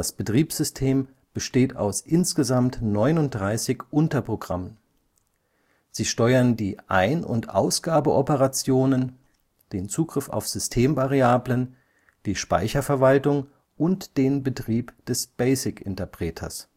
Betriebssystem besteht aus insgesamt 39 Unterprogrammen; sie steuern die Ein -/ Ausgabeoperationen, den Zugriff auf Systemvariablen, die Speicherverwaltung und den Betrieb des BASIC-Interpreters